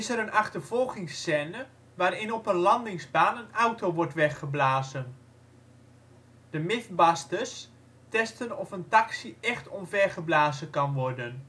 een achtervolgingsscene waarin op een landingsbaan waarbij een auto wordt weggeblazen. De Mythbusters testen of een taxi echt omvergeblazen kan worden